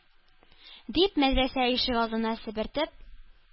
Дип, мәдрәсә ишек алдын себертеп,